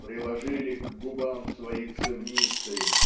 приложили к губам свои цевницы